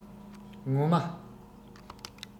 ངོ མ